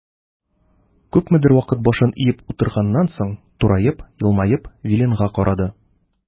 Күпмедер вакыт башын иеп утырганнан соң, тураеп, елмаеп Виленга карады.